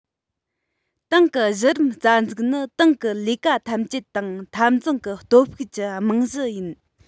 ཏང གི གཞི རིམ རྩ འཛུགས ནི ཏང གི ལས ཀ ཐམས ཅད དང འཐབ འཛིང གི སྟོབས ཤུགས ཀྱི རྨང གཞི ཡིན